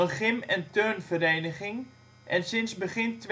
gym - en turnvereniging en sinds begin